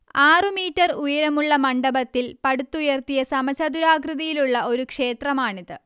ആറുമീറ്റർ ഉയരമുള്ള മണ്ഡപത്തിൽ പടുത്തുയർത്തിയ സമചതുരാകൃതിയിലുള്ള ഒരു ക്ഷേത്രമാണിത്